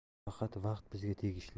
faqat vaqt bizga tegishli